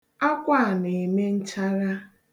Akwa a na-eme nchagha.